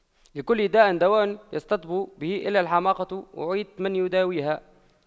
لكل داء دواء يستطب به إلا الحماقة أعيت من يداويها